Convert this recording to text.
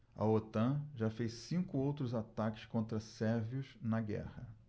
a otan já fez cinco outros ataques contra sérvios na guerra